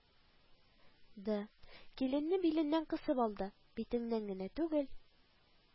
Ды: киленне биленнән кысып алды, битеннән генә түгел,